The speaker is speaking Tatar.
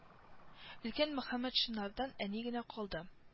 Өлкән мөхәммәтшиннардан әни генә калды